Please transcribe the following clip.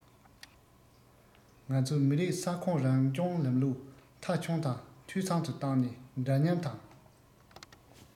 ང ཚོས མི རིགས ས ཁོངས རང སྐྱོང ལམ ལུགས མཐའ འཁྱོངས དང འཐུས ཚང དུ བཏང ནས འདྲ མཉམ དང